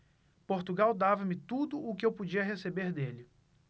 portugal dava-me tudo o que eu podia receber dele